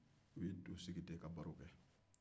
u y'u sigi ten ka baro kɛ